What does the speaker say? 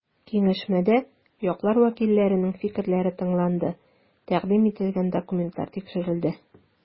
Киңәшмәдә яклар вәкилләренең фикерләре тыңланды, тәкъдим ителгән документлар тикшерелде.